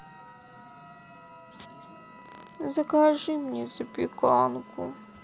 закажи мне запеканку